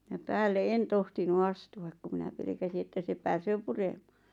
ja päälle en tohtinut astua kun minä pelkäsin että se pääsee puremaan